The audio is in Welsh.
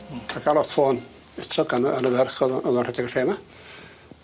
Ca'l galwad ffôn eto gan y yn y ferch o'dd o o'dd yn rhedeg y lle 'ma.